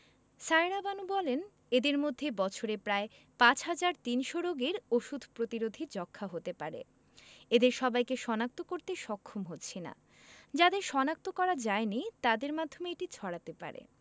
সায়েরা বানু বলেন এদের মধ্যে বছরে প্রায় ৫ হাজার ৩০০ রোগীর ওষুধ প্রতিরোধী যক্ষ্মা হতে পারে এদের সবাইকে শনাক্ত করতে সক্ষম হচ্ছি না যাদের শনাক্ত করা যায়নি তাদের মাধ্যমেই এটি ছড়াতে পারে